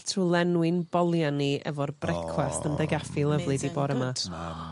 Trw lenwi'n bolia' ni efo'r brecwast yn dy gaffi lyfli di bore 'ma.